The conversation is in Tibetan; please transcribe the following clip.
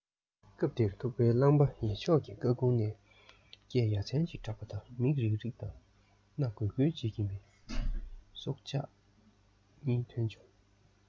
སྐབས དེར ཐུག པའི རླངས པ ཡལ ཕྱོགས ཀྱི སྐར ཁུང ནས སྐད ཡ མཚན ཞིག གྲགས པ དང མིག རིག རིག དང སྣ འགུལ འགུལ བྱེད ཀྱིན པའི སྲོག ཆགས གཉིས ཐོན བྱུང